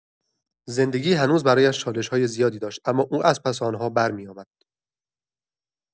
زندگی هنوز برایش چالش‌های زیادی داشت، اما او از پس آن‌ها برمی‌آمد.